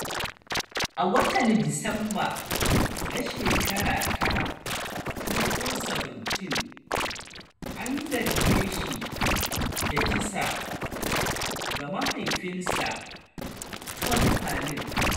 A watan Disamba na shekara ta 2017, an zarge shi da kisa ga mahaifinsa, Todd Palin.